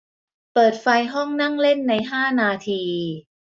เปิดไฟห้องนั่งเล่นในห้านาที